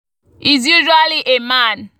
It’s usually a man.